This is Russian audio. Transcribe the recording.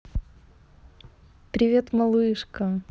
привет малышка